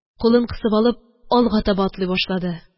Кулын кысып алып, алга таба атлый башлады